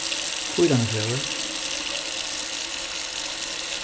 hvítanesvegur